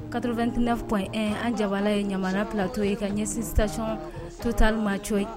89.1 an jabala ye ɲamana plateau ye ka ɲɛsin CESCOM cɔyi.